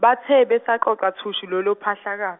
bathe besaxoxa thushu lolo phahlaka-.